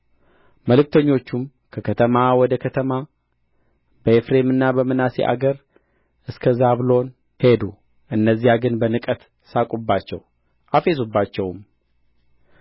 መልእክተኞቹም ከከተማ ወደ ከተማ በኤፍሬምና በምናሴ አገር እስከ ዛብሎን ሄዱ እነዚያ ግን በንቀት ሳቁባቸው አፌዙባቸውም